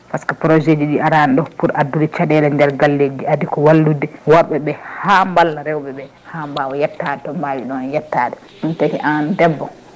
par ce que projet ji ɗi arani ɗo pour addude caɗele nder galleji ɗi addi ko wallude worɓeɓe ha balla rewɓeɓe ha mbawa yettade to mbawi ɗon yettade ɗum taki an debbo